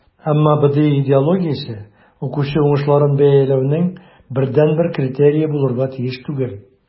Әмма БДИ идеологиясе укучы уңышларын бәяләүнең бердәнбер критерие булырга тиеш түгел.